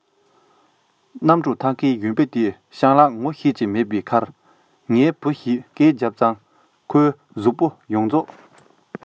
སྣམ སྤུ འཐགས མཁན གཞོན པ དེས སྤྱང ལགས ངོ ཤེས ཀྱི མེད པའི ཁར ངའི བུ ཞེས སྐད རྒྱབ ཙང ཁོའི གཟུགས པོ ཡོངས རྫོགས འདར གསིག རྒྱག པ དང